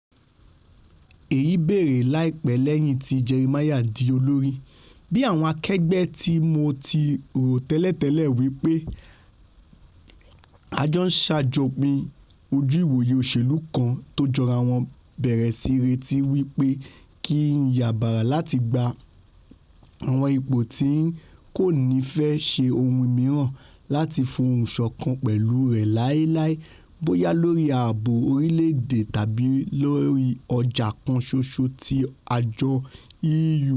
Èyí bẹ̀rẹ̀ láìpẹ́ lẹ́yìn tí Jeremy di olórí, bí àwọn akẹgbẹ́ tí Mo ti rò tẹ́lẹ̀tẹ́lẹ̀ wí pé a jọ ńṣàjọpín ojú-ìwòye òṣèlú kan tójọrawọn bẹ̀rèsí rétí wí pé kí ńyà bàrà láti gba àwọn ipò tí N kòní fẹ́ ṣe ohun mìíràn láti fohùnṣọ̀kan pẹ̀lú rẹ̀ láilái - bóyá lórí ààbò orílẹ̀-èdè tàbí lórí ọjà kan ṣoṣo ti àjọ EU.